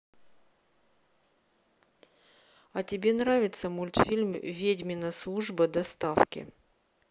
а тебе нравится мультфильм ведьмина служба доставки